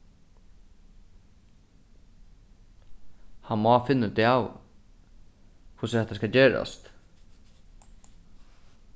hann má finna út av hvussu hatta skal gerast